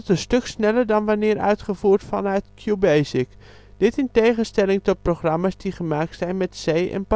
stuk sneller dan wanneer uitgevoerd vanuit QBasic. Dit in tegenstelling tot programma 's die gemaakt zijn met C en Pascal